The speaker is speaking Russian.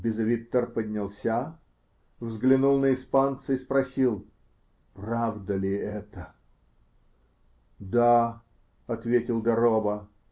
Безевиттер поднялся, взглянул на испанца и спросил: -- Правда ли это? -- Да, -- ответил де Роба.